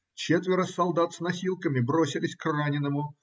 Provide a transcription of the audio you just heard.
Четверо солдат с носилками бросились к раненому.